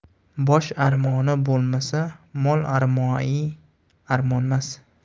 bosh armoni bo'lmasa mol armoai armonmas